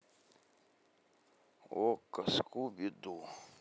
окко скуби ду